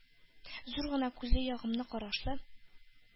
Зур гына күзле, ягымлы карашлы,